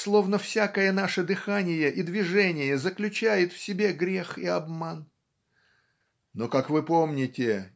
Словно всякое наше дыхание и движение заключает в себе грех и обман. Но как вы помните